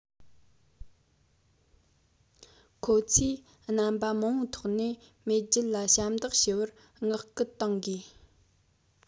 ཁོང ཚོས རྣམ པ མང པོའི ཐོག ནས མེས རྒྱལ ལ ཞབས འདེགས ཞུ བར བསྔགས སྐུལ གཏོང དགོས